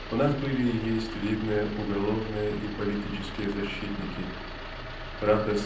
У нас были и есть видные уголовные и политические защитники правда